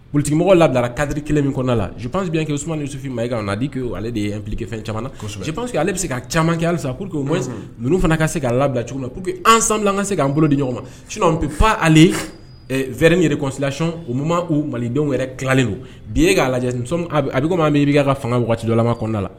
Pkimɔgɔ labilara kadiri kelen min kɔnɔna lajupsi ke sumaman nisu ma e kan naale de yekefɛn caman ale bɛ se ka caman kɛ ala sa que ninnu fana ka se ka labila cogo pbi an san an ka se k'an bolo di ɲɔgɔn ma pan ale vɛrɛ yɛrɛsilacon o malidenw yɛrɛ tilalen bi e k'a lajɛ a min i bɛ ka fangajɔlama kɔnɔnada la